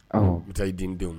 Bɛ taa i den denw